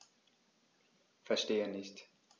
Verstehe nicht.